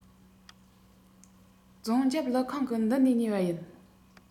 རྫོང རྒྱབ ཀླུ ཁང གི མདུན ནས ཉོས པ ཡིན